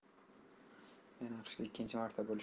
men aqshda ikkinchi marta bo'lishim